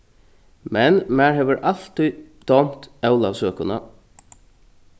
men mær hevur altíð dámt ólavsøkuna